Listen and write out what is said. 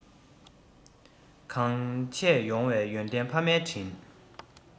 གང བྱས ཡོང བའི ཡོན ཏན ཕ མའི དྲིན